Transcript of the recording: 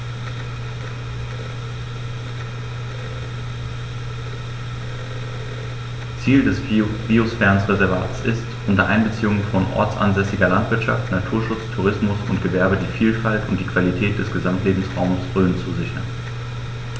Ziel dieses Biosphärenreservates ist, unter Einbeziehung von ortsansässiger Landwirtschaft, Naturschutz, Tourismus und Gewerbe die Vielfalt und die Qualität des Gesamtlebensraumes Rhön zu sichern.